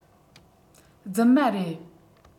རྫུན མ རེད